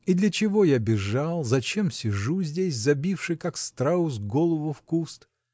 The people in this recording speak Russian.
И для чего я бежал, зачем сижу здесь, забивши, как страус, голову в куст?